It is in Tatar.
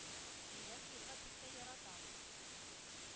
– җиләк җыярга бик тә яратам.